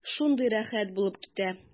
Шундый рәхәт булып китә.